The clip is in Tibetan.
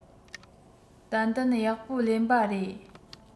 ཏན ཏན ཡག པོ ལེན པ རེད